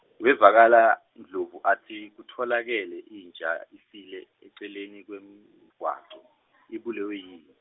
wevakala, Ndlovu atsi, kutfolakele inja, ifile eceleni kwemgwaco, ibulewe yi-.